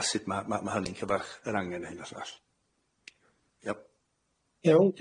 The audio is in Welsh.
a sud ma' ma' ma' hynny'n cyfarch yr angen a hyn a llall.